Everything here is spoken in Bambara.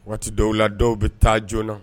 Waati dɔw la dɔw bɛ taa joona